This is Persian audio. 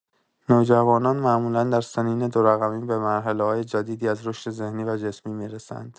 نوجوانان معمولا در سنین دورقمی به مرحله‌های جدیدی از رشد ذهنی و جسمی می‌رسند.